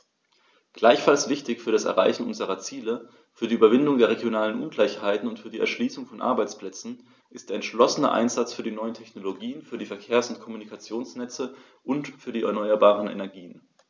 Gleichfalls wichtig für das Erreichen unserer Ziele, für die Überwindung der regionalen Ungleichheiten und für die Erschließung von Arbeitsplätzen ist der entschlossene Einsatz für die neuen Technologien, für die Verkehrs- und Kommunikationsnetze und für die erneuerbaren Energien.